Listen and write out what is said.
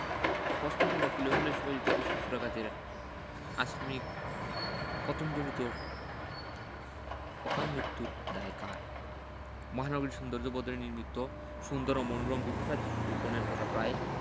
প্রশ্ন হলো ফুলে ফুলে সুশোভিত কৃষ্ণচূড়া গাছের আকস্মিক পতনজনিত এই অকালমৃত্যুর দায় কার মহানগরীর সৌন্দর্যবর্ধনের নিমিত্ত সুন্দর ও মনোরম বৃক্ষরাজি রোপণের কথা প্রায়